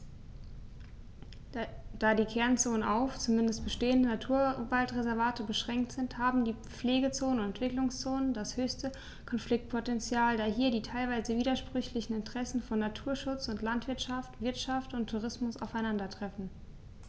Da die Kernzonen auf – zumeist bestehende – Naturwaldreservate beschränkt sind, haben die Pflegezonen und Entwicklungszonen das höchste Konfliktpotential, da hier die teilweise widersprüchlichen Interessen von Naturschutz und Landwirtschaft, Wirtschaft und Tourismus aufeinandertreffen.